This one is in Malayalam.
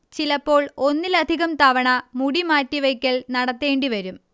ചിലപ്പോൾ ഒന്നിലധികം തവണ മുടി മാറ്റിവെക്കൽ നടത്തേണ്ടി വരും